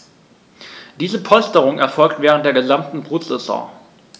Diese Polsterung erfolgt während der gesamten Brutsaison.